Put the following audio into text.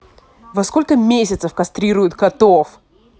во сколько месяцев кастрируют котов